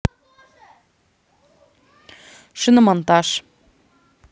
шиномонтаж